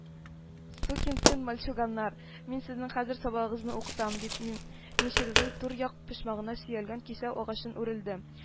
Сукин сын мальчуганнар, мин сезнең хәзер сабагыгызны укытам, - дип, мин мичнең түр як почмагына сөялгән кисәү агачына үрелде